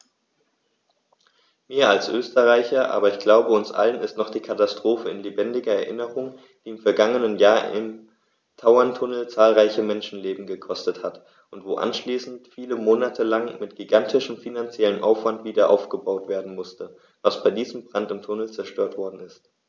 Mir als Österreicher, aber ich glaube, uns allen ist noch die Katastrophe in lebendiger Erinnerung, die im vergangenen Jahr im Tauerntunnel zahlreiche Menschenleben gekostet hat und wo anschließend viele Monate lang mit gigantischem finanziellem Aufwand wiederaufgebaut werden musste, was bei diesem Brand im Tunnel zerstört worden ist.